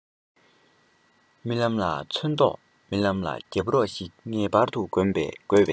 རྨི ལམ ལ ཚོན མདོག རྨི ལམ ལ རྒྱབ རོགས ཤིག ངེས པར དུ དགོས པས